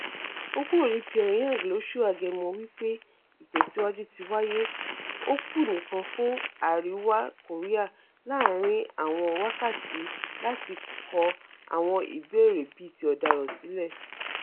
Ó kúró ní Pyongyang lóṣ̵ù Agẹmọ wí pé ìtẹ̀síwájú tíwáyé, ó kù níkan fún Àríwá Kòríà láàrin àwọn wákàtí láti kọ 'àwọn ìbéèrè bíiti-ọ̀daràn'' sílẹ̀.''